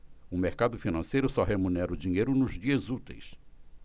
o mercado financeiro só remunera o dinheiro nos dias úteis